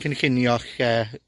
cynllunio'ch yy